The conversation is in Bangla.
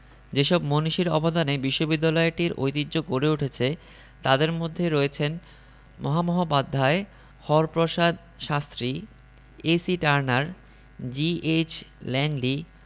যেসব মনীষীর অবদানে বিশ্ববিদ্যালয়টির ঐতিহ্য গড়ে উঠেছে তাঁদের মধ্যে রয়েছেন Mahamahopadhyay Haraprasad Shastri A C Turner G H Langley